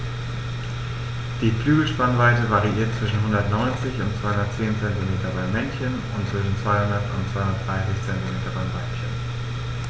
Die Flügelspannweite variiert zwischen 190 und 210 cm beim Männchen und zwischen 200 und 230 cm beim Weibchen.